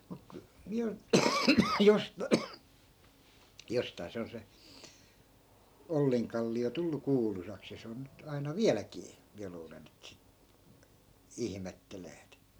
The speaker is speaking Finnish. mutta kun minä - jostakin se on se Ollinkallio tullut kuuluisaksi ja se on nyt aina vieläkin minä luulen että sitten ihmettelevät